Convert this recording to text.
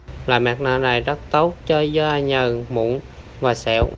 loại mặt nạ này rất tốt cho da nhờn mụn và sẹo